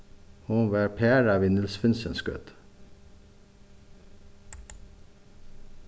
hon var parað við niels finsens gøtu